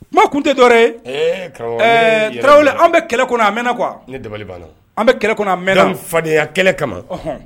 Kuma kun tɛ tɔɔrɔ tarawele an bɛ kɛlɛ kɔnɔ a mɛn qu an bɛ kɛlɛ kɔnɔ mɛn fadenyaya kɛlɛ kama